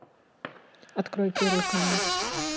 открой первый канал